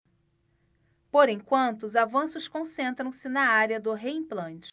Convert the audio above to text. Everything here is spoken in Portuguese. por enquanto os avanços concentram-se na área do reimplante